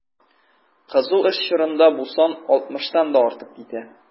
Кызу эш чорында бу сан 60 тан да артып китә.